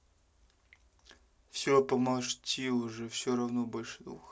все помолчи уже все равно больше двух